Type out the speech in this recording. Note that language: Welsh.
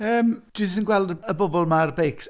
Yym, dwi jyst yn gweld y y bobl 'ma ar beics.